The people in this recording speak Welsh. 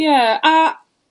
...ie, a